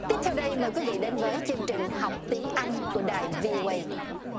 tiếp theo đây mời quý vị đến với chương trình học tiếng anh của đài vi ô ây